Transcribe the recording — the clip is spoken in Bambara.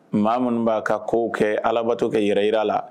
Maa minnu b'a ka ko kɛ ,alabatɔ kɛ yɛrɛ jira la